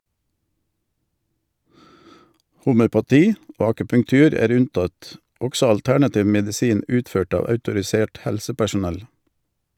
Homøopati og akupunktur er unntatt, også alternativ medisin utført av autorisert helsepersonell.